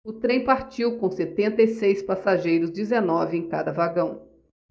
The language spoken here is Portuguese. o trem partiu com setenta e seis passageiros dezenove em cada vagão